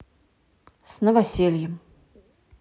с новосельем